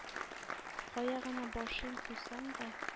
Кая гына башым куйсам да,